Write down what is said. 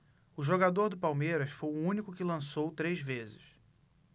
o jogador do palmeiras foi o único que lançou três vezes